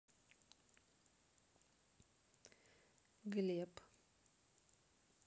глеб